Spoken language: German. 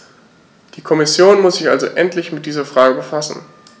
Die Kommission muss sich also endlich mit dieser Frage befassen.